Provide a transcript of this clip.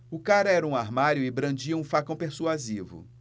o cara era um armário e brandia um facão persuasivo